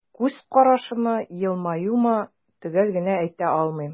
Күз карашымы, елмаюмы – төгәл генә әйтә алмыйм.